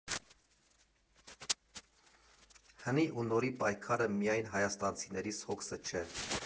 Հնի ու նորի պայքարը միայն հայաստանցիներիս հոգսը չէ։